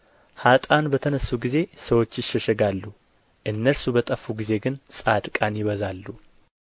ኀጥአን በተነሡ ጊዜ ሰዎች ይሸሸጋሉ እነርሱ በጠፉ ጊዜ ግን ጻድቃን ይበዛሉ